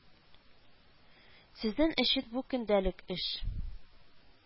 Сезнең өчен бу көндәлек эш